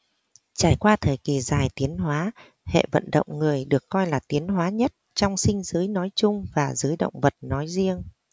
trải qua thời kì dài tiến hóa hệ vận động người được coi là tiến hóa nhất trong sinh giới nói chung và giới động vật nói riêng